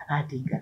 A den